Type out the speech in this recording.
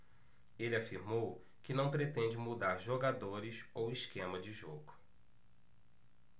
ele afirmou que não pretende mudar jogadores ou esquema de jogo